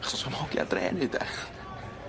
Achos os o'm hogia drê neud e.